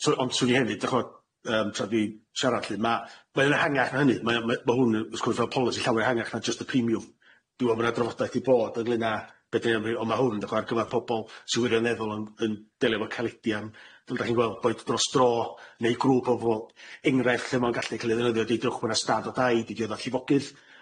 So ond swn i hefyd d'ch'mod yym tra dwi siarad lly ma' mae yn ehangach na hynny mae o ma' ma' hwn yn sgwrs fel policy llawer ehangach na jyst y premium dwi me'wl ma' na drafodaeth i bod ynglŷn â be' dan ni amry- on' ma' hwn d'ch'mod ar gyfar pobol sy wirioneddol yn yn delio efo caledia'n d- dach chi'n gweld boi dros dro neu grŵp o fobol enghraifft lle ma' o'n gallu ca'l i ddefnyddio deudwch bo' na stad o dai di diodd o llifogydd.